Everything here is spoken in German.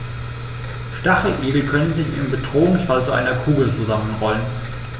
Stacheligel können sich im Bedrohungsfall zu einer Kugel zusammenrollen.